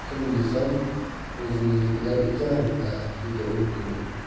ekan da dedi u kulib